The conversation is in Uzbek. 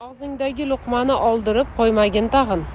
og'zingdagi luqmani oldirib qo'ymagin tag'in